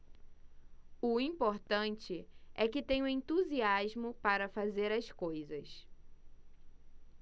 o importante é que tenho entusiasmo para fazer as coisas